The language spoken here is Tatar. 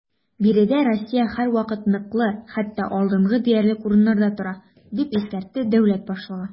Биредә Россия һәрвакыт ныклы, хәтта алдынгы диярлек урыннарда тора, - дип искәртте дәүләт башлыгы.